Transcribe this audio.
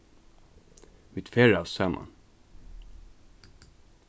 vit ferðaðust saman